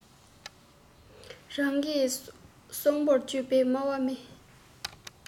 རང སྐད སྲོང པོར བརྗོད པའི སྨྲ བ མེད